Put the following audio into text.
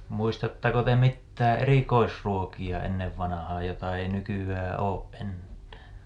muistattako te mitään erikoisruokia ennen vanhaan jota ei nykyään ole enää